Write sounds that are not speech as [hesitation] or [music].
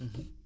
[hesitation] [hesitation]